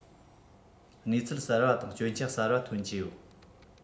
གནས ཚུལ གསར པ དང སྐྱོན ཆ གསར པ ཐོན གྱི ཡོད